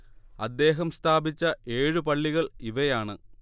അദ്ദേഹം സ്ഥാപിച്ച ഏഴു പള്ളികൾ ഇവയാണ്